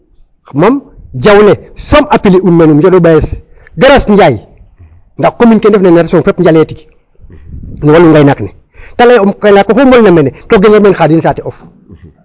Mam Diawlé soom appliquer in meen Daras Ndiaye yaam commune ke fop njalee tig no ngaynaak ne ka lay ee o kaynaak oxu molna mene to genuro meen xadin saate of.